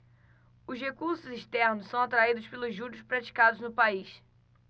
os recursos externos são atraídos pelos juros praticados no país